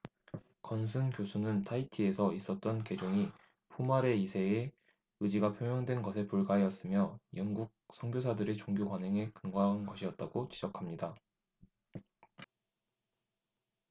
건슨 교수는 타히티에서 있었던 개종이 포마레 이 세의 의지가 표명된 것에 불과하였으며 영국 선교사들의 종교 관행에 근거한 것이었다고 지적합니다